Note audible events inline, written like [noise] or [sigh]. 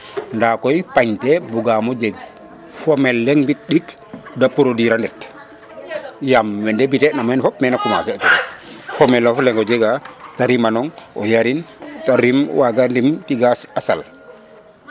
nda koy pañ te bugamo jeg femelle leŋ mbit ɗik de produire o ndet yaam we ndebute na meen fop [noise] femelle lof leŋ o jega te rima noŋ o yarin te rim waga ndim tiga a sal